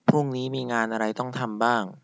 พรุ่งนี้มีงานอะไรต้องทำบ้าง